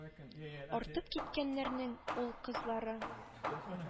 Артып киткәннәренең ул-кызлары